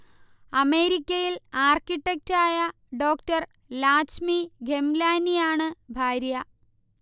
അമേരിക്കയിൽ ആർകിടെക്ടായ ഡോ. ലാച്മി ഖെംലാനിയാണ് ഭാര്യ